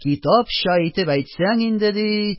Китапча итеп әйтсәң инде, - ди,